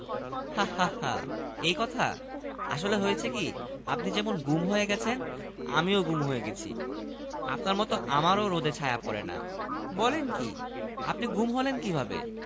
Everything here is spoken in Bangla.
আপনাদের তো সব সময়ই লাভ হওয়ার কথা দেশভর্তি পাগল... কথা ভুল বলেননি তবে সমস্যা কি জানেন দেশভর্তি পাগল থাকলেও চেম্বার বলতে গেলে চলেই না